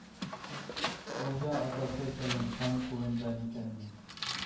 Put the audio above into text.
Ул да атасы сәлим хан кулында микәнни